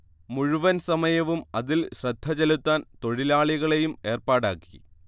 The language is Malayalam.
മുഴുവൻ സമയവും അതിൽ ശ്രദ്ധചെലുത്താൻ തൊഴിലാളികളെയും ഏർപ്പാടാക്കി